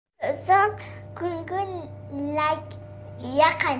yo'l uzoq ko'ngil yaqin